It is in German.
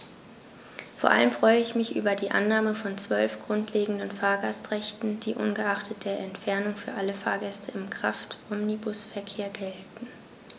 Vor allem freue ich mich über die Annahme von 12 grundlegenden Fahrgastrechten, die ungeachtet der Entfernung für alle Fahrgäste im Kraftomnibusverkehr gelten.